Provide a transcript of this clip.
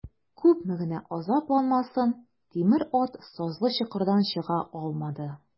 Күпме генә азапланмасын, тимер ат сазлы чокырдан чыга алмады.